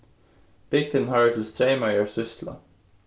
bygdin hoyrir til streymoyar sýslu